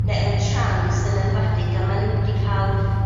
ne' yn trans yn enwedig a ma' n'w 'di ca'l